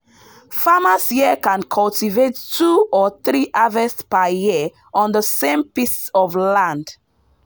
Farmers here can cultivate two or three harvests per year on the same piece of land.